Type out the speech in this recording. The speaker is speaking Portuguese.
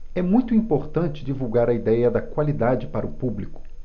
é muito importante divulgar a idéia da qualidade para o público